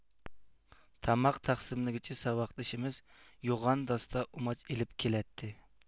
تاماق تەقسىملىگۈچى ساۋاقدىشىمىز يوغان داستا ئۇماچ ئېلىپ كېلەتتى